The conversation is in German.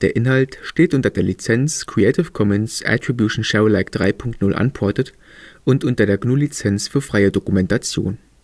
Inhalt steht unter der Lizenz Creative Commons Attribution Share Alike 3 Punkt 0 Unported und unter der GNU Lizenz für freie Dokumentation